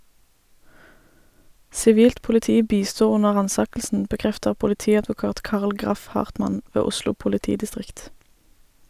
Sivilt politi bisto under ransakelsen, bekrefter politiadvokat Carl Graff Hartmann ved Oslo politidistrikt.